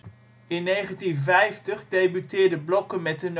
In 1951 debuteerde Blokker met de novelle